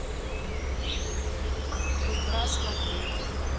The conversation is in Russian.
игра смотреть